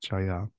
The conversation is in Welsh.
Joio